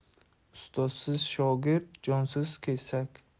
ustozsiz shogird jonsiz kesak